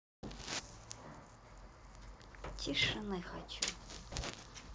тишины хочу